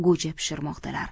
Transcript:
go'ja pishirmoqdalar